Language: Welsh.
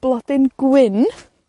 Blodyn gwyn.